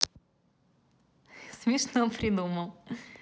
смешно придумал